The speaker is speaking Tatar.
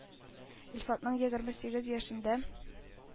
Илфатның егерме сигез яшендә